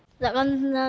dạ vâng